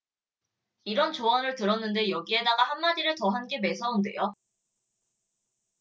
이런 조언을 들었는데 여기에다가 한마디를 더 한 게 매서운데요